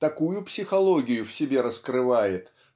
такую психологию в себе раскрывает